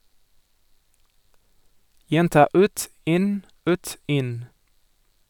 Gjenta ut, inn, ut, inn.